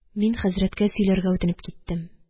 Мин хәзрәткә сөйләргә үтенеп киттем.